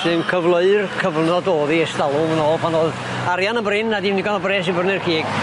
sy'n cyfleu'r cyfnod o'dd 'i estalw yn ôl pan o'dd arian yn brin a ddim digon o bres i bryrnu'r cig.